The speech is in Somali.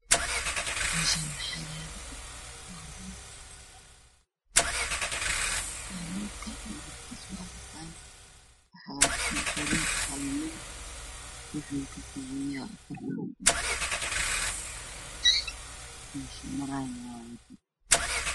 Waxaa ii muuqda baabuur khaladkiisii yahay caddaan uu taagan yahay shu malay waa laami ga afar rug ayuu leeyahay